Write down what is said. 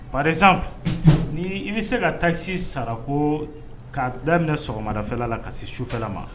Par exemple ni i bɛ se ka taxe sara ko ka daminɛ sɔgɔmadafɛla la ka se sufɛ la ma.